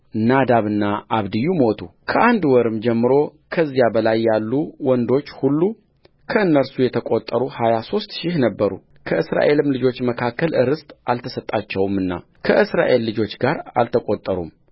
ናዳብና አብዩድ ሞቱከአንድ ወርም ጀምሮ ከዚያም በላይ ያሉ ወንዶች ሁሉ ከእነርሱ የተቈጠሩ ሀያ ሦስት ሺህ ነበሩ ከእስራኤልም ልጆች መካከል ርስት አልተሰጣቸውምና ከእስራኤል ልጆች ጋር አልተቈጠሩም